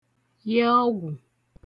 ye ọgwụ̀